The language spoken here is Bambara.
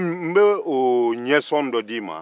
n bɛ o ɲɛsɔn dɔ d'i ma